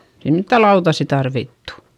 ei mitään lautasia tarvittu